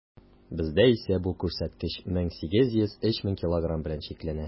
Бездә исә бу күрсәткеч 1800 - 3000 килограмм белән чикләнә.